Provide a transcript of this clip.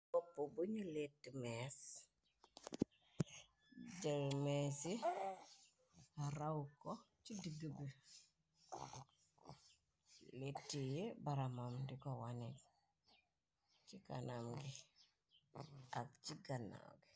Bopp buñu litimees jërmeesi raw ko ci diggi bi litti yi baramam diko wane ci kanam gi ak ci gànnaw gi.